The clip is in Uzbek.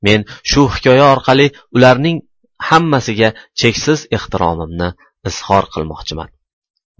men shu hikoya orqali ularning hammasiga cheksiz ehtiromimni izhor qilmoqchiman